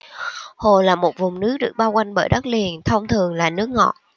hồ là một vùng nước được bao quanh bởi đất liền thông thường là nước ngọt